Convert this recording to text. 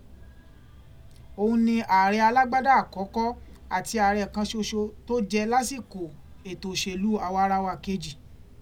Òun ni ààrẹ alágbádá àkọ́kọ́ àti ààrẹ kan ṣoṣo tó jẹ lásìkò ètò òṣèlú àwaarawa kejì.